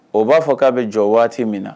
O b'a fɔ k'a bɛ jɔ waati min na